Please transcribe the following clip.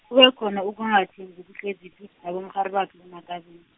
kube khona ukungathembi kuHleziphi, nabomrharibakhe unaKabi-.